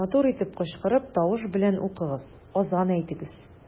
Матур итеп кычкырып, тавыш белән укыгыз, азан әйтегез.